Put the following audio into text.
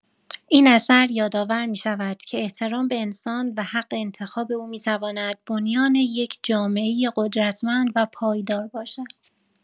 این اثر یادآور می‌شود که احترام به انسان و حق انتخاب او می‌تواند بنیان یک جامعه قدرتمند و پایدار باشد.